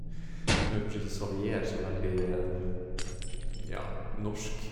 Nu er kanskje ikke Xavier så veldig, ja, norsk.